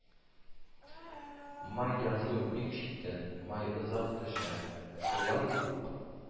Май язу бик читен май озак төшә, шулай ук